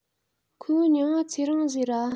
ཁོའི མྱིང ང ཚེ རིང ཟེར ར